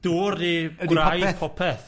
Dŵr ydy gwraid popeth.